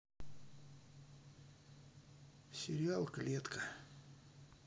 сериал клетка